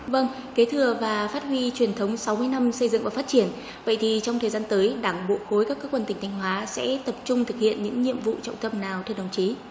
vâng kế thừa và phát huy truyền thống sáu mươi năm xây dựng và phát triển vậy thì trong thời gian tới đảng bộ khối các cơ quan tỉnh thanh hóa sẽ tập trung thực hiện những nhiệm vụ trọng tâm nào thưa đồng chí